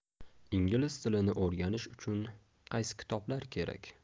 ingliz tilini o'rganish uchun qaysi kitoblar kerak